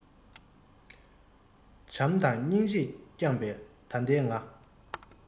བྱམས དང སྙིང རྗེས བསྐྱང པས ད ལྟའི ང